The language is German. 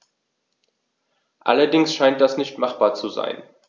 Allerdings scheint das nicht machbar zu sein.